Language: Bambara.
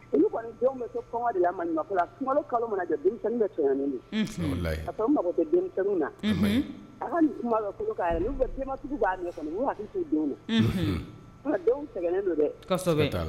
Olu kɔnni denw bɛ to kɔngɔ de la, maɲuma ko la sunkalo kalo ma na jɔ, denmisɛnninw bɛɛ de tɔɲɔnnen don, unhun, walayi, parce que o mako tɛ denmisɛnninw na, unhun, walayi, a ka ni kuma bɛ kolo kan yɛrɛ, ou bien denbatigiw b'a mɛn, u k'u hakili to denw na, unhun, sinon denw sɛgɛnnen don dɛ, kosɛbɛ, siga t'a la.